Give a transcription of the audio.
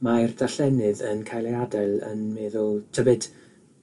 Mae'r darllenydd yn cael ei adael yn meddwl tybyd